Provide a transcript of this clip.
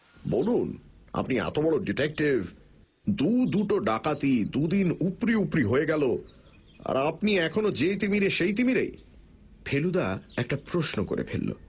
বলুন আপনি এত বড় ডিটেকটিভ দু দুটো ডাকাতি দুদিন উপরি উপরি হয়ে গেল আর আপনি এখনও যেই তিমিরে সেই তিমিরে ফেলুদা একটা প্রশ্ন করে ফেলল